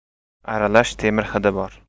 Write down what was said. aralash temir hidi bor